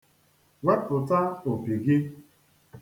Wepụta opi gị.